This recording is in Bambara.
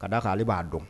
Ka d daa kan ale b'a dɔn